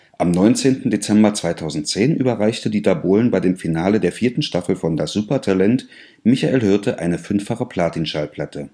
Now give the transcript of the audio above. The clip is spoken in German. Am 19. Dezember 2010 überreichte Dieter Bohlen bei dem Finale der vierten Staffel von Das Supertalent Michael Hirte eine fünffache Platin-Schallplatte